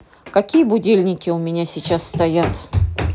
какие будильники у меня сейчас стоят